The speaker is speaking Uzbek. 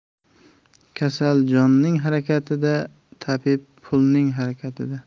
kasal jonning harakatida tabib pulning harakatida